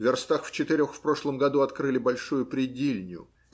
Верстах в четырех в прошлом году открыли большую прядильню